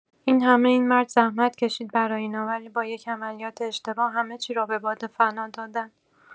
این همه این مرد زحمت کشید برا اینا ولی با یک عملیات اشتباه همه چی را به باد فنا دادن